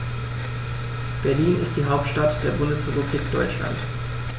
Berlin ist die Hauptstadt der Bundesrepublik Deutschland.